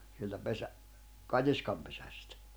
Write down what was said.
sieltä - katiskanpesästä